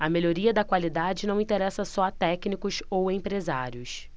a melhoria da qualidade não interessa só a técnicos ou empresários